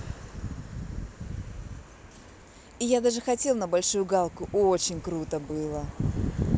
и я даже хотел на большую галку очень круто было